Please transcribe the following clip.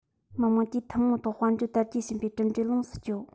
མི དམངས ཀྱིས ཐུན མོང ཐོག དཔལ འབྱོར དར རྒྱས ཕྱིན པའི གྲུབ འབྲས ལོངས སུ སྤྱོད